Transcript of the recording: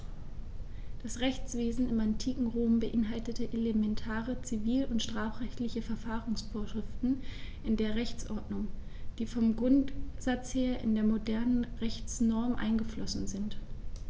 Das Rechtswesen im antiken Rom beinhaltete elementare zivil- und strafrechtliche Verfahrensvorschriften in der Rechtsordnung, die vom Grundsatz her in die modernen Rechtsnormen eingeflossen sind.